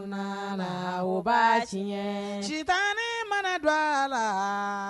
Nana don a la, o b'a tiɲɛn, sitanɛ mana don a la!